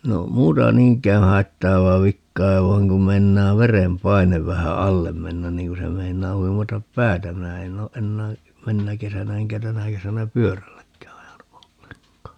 no muuta niinkään haittaavaa vikaa vaan kun meinaa verenpaine vähän alle mennä niin kun se meinaa huimata päätä minä en ole enää menneenä kesänä enkä tänä kesänä pyörälläkään ajanut ollenkaan